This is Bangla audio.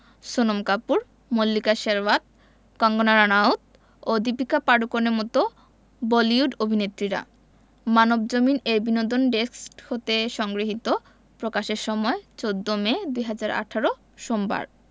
সোনম কাপুর মল্লিকা শেরওয়াত কঙ্গনা রানাউত ও দীপিকা পাড়–কোনের মতো বলিউড অভিনেত্রীরা মানবজমিন এর বিনোদন ডেস্ক হতে সংগৃহীত প্রকাশের সময় ১৪ মে ২০১৮ সোমবার